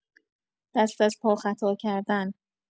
دست از پا خطا کردن